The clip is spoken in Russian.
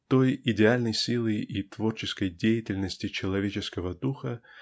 той идеальной силы и творческой деятельности человеческого духа